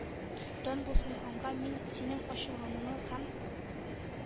— дан булсын ханга, мин синең ачуланачагыңны һәм